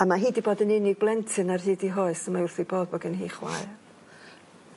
a ma' hi 'di bod yn unig blentyn ar hyd 'i hoes a mae wrth 'i bodd bo' gen hi chwaer.